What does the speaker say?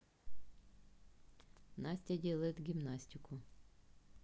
настя делает гимнастику